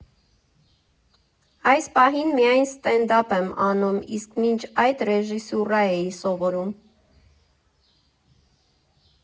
Այս պահին միայն ստենդափ եմ անում, իսկ մինչ այդ ռեժիսուրա էի սովորում։